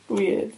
Weird.